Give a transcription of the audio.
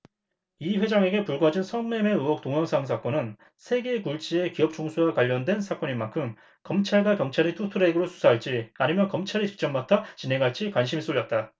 이 회장에게 불거진 성매매 의혹 동영상 사건은 세계 굴지의 기업 총수와 관련된 사건인 만큼 검찰과 경찰이 투트랙으로 수사할지 아니면 검찰이 직접 맡아 진행할지 관심이 쏠렸다